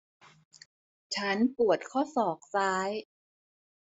ฉันปวดข้อศอกซ้าย